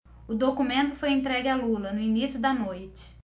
o documento foi entregue a lula no início da noite